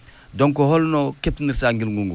donc holno keptinirtaa ngilgu nguu